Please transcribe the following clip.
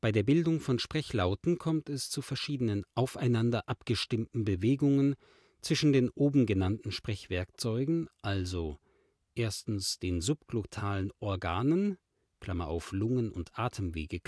der Bildung von Sprechlauten kommt es zu verschiedenen aufeinander abgestimmten Bewegungen zwischen den oben genannten Sprechwerkzeugen, also den subglottalen Organen (Lungen und Atemwege